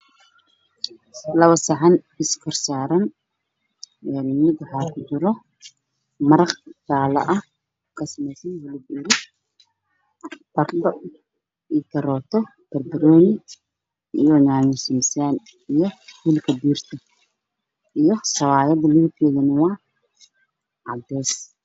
Waa jabaati iyo suugadiisi oo ku jiro saxamo